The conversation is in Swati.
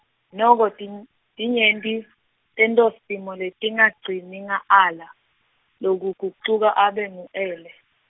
noko tin- tinyenti, tentosimo letingagcini nga ala, lokugucuka abe ngu ele.